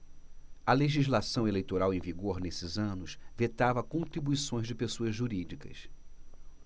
a legislação eleitoral em vigor nesses anos vetava contribuições de pessoas jurídicas